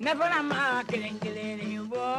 Ne fana ma kelen kelenlen bɔ